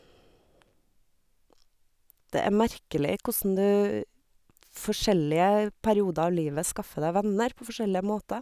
Det er merkelig kossen du forskjellige perioder av livet skaffer deg venner på forskjellige måter.